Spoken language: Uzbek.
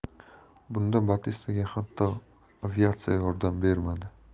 bunda batistaga hatto aviatsiya yordam bermadi